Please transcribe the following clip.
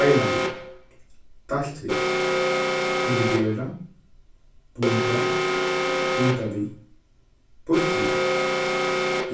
deila við deilt við dividera býta býta við býtt við